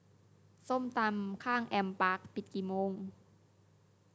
ส้มตำข้างแอมปาร์คปิดกี่โมง